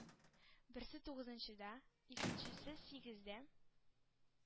Берсе – тугызынчыда, икенчесе сигездә